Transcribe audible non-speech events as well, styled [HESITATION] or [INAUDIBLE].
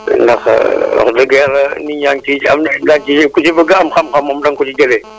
ndax [HESITATION] wax dëgg yàlla nit ñaa ngi ciy am na daa ñu ci yo ku ci bëgg a am xam-xam moom da nga ko ci jëlee [NOISE]